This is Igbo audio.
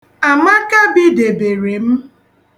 Amaka bidebere m.